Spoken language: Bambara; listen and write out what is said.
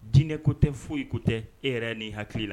Jinɛinɛ ko tɛ foyi ko tɛ e yɛrɛ ni hakili la